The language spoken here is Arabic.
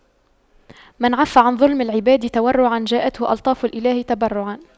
من عَفَّ عن ظلم العباد تورعا جاءته ألطاف الإله تبرعا